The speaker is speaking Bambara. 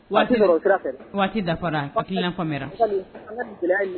Waati dafafara waati y' faamuya